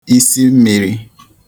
isimmīrī